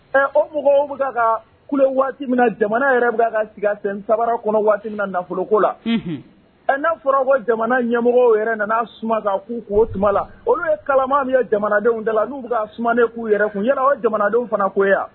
Ɛ o mako bɛ ka kule min jamana yɛrɛ ka s sen sabara kɔnɔ waati min nafolo ko la ɛ n'a fɔra ko jamana ɲɛmɔgɔ yɛrɛ nana k'o tuma la olu ye kalama min ye jamanadenw da la bɛ ka sumamanden k'u yɛrɛ kun ɲɛna o jamanadenw fana ko yan